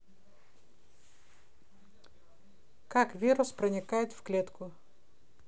как вирус проникает в клетку